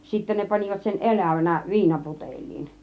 sitten ne panivat sen elävänä viinaputeliin